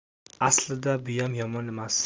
aslida buyam yomonmas